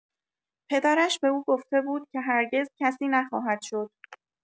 پدرش به او گفته بود که هرگز کسی نخواهد شد.